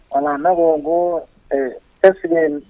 Voilà ne ko nko est-ce que